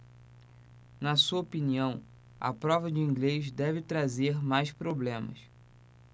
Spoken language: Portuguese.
na sua opinião a prova de inglês deve trazer mais problemas